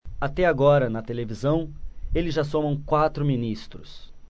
até agora na televisão eles já somam quatro ministros